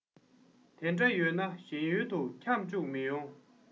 དེ འདྲ ཡོད ན གཞན ཡུལ དུ ཁྱམས བཅུག མི ཡོང